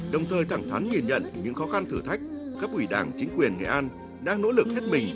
đồng thời thẳng thắn nhìn nhận những khó khăn thử thách cấp ủy đảng chính quyền nghệ an đang nỗ lực hết mình